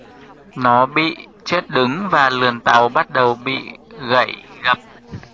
nó bị chết đứng và lườn tàu bắt đầu bị gẩy gập